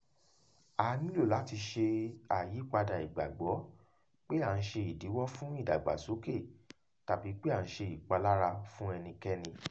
A nílò láti ṣe àyípadà ìgbàgbọ́ pé à ń ṣe ìdíwọ́ fún ìdàgbàsókè tàbí pé à ń ṣe ìpalára fún ẹnikẹ́ni.